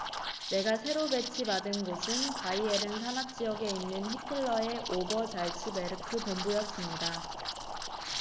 내가 새로 배치받은 곳은 바이에른 산악 지역에 있는 히틀러의 오버잘츠베르크 본부였습니다